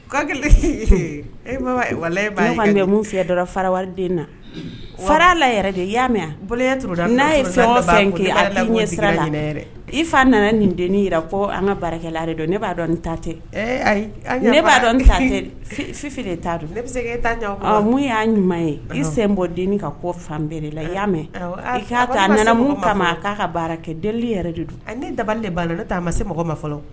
Fɛ fara wariden na fara la de y'a n'a ye fɛn fɛn i fa nana nin denin an ka baarakɛ la dɔn ne b'a dɔn nin tatɛ ne'a dɔn fi de ta y'a ɲuman ye i sen bɔ den ka ko fan la i y'a mɛn i a minnu kama k'a ka baara kɛ deli yɛrɛ de don dabali b'a la ma se mɔgɔ ma fɔlɔ